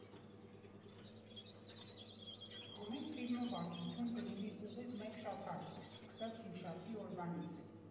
Ամեն ֆիլմը վարձույթում կլինի ուղիղ մեկ շաբաթ՝ սկսած հինշաբթի օրվանից։